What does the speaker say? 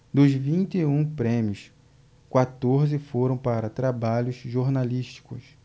dos vinte e um prêmios quatorze foram para trabalhos jornalísticos